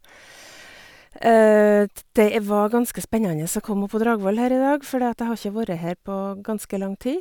t Det var ganske spennende å komme opp på Dragvoll her i dag, fordi at jeg har ikke vorre her på ganske lang tid.